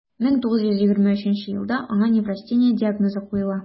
1923 елда аңа неврастения диагнозы куела: